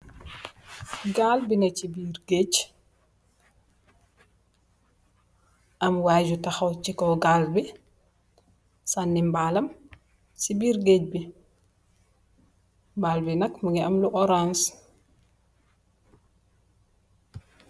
Gaal bi neh si bunti gaage, am waa gu neh si kaw gaal bi sani mbaal lam si birr gaage bi. Mbaal bi nak mogi am lu orance.